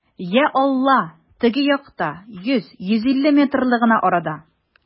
Йа Аллаһ, теге якта, йөз, йөз илле метрлы гына арада!